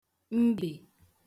mbè